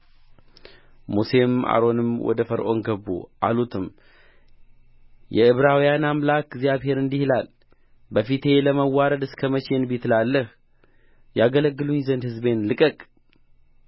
ሙሴም አሮንም ወደ ፈርዖን ገቡ አሉትም የዕብራውያን አምላክ እግዚአብሔር እንዲህ ይላል በፊቴ ለመዋረድ እስከ መቼ እንቢ ትላለህ ያገለግሉኝ ዘንድ ሕዝቤን ልቀቅ